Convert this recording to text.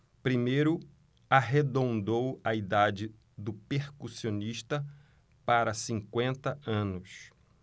primeiro arredondou a idade do percussionista para cinquenta anos